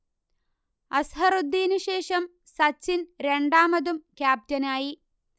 അസ്ഹറുദ്ദീനു ശേഷം സച്ചിൻ രണ്ടാമതും ക്യാപ്റ്റനായി